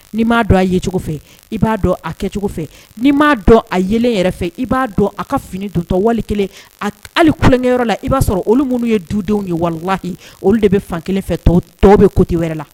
Ni'i m'a dɔn a ye cogo fɛ i b'a dɔn a kɛcogo fɛ n'i m'a dɔn a yelen yɛrɛ fɛ i b'a dɔn a ka fini dontaw wali kelen, ali tulonkɛyɔrɔ la i b'a sɔrɔ olu minnu ye dudenw ye, wallahi olu de bɛ fankelen fɛ tɔw tɔw bɛ coté wɛrɛ la